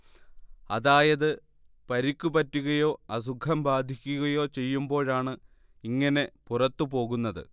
അതായത് പരിക്കു പറ്റുകയോ അസുഖം ബാധിക്കുകയോ ചെയ്യുമ്പോഴാണ് ഇങ്ങനെ പുറത്തുപോകുന്നത്